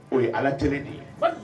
O ye ala teri de ye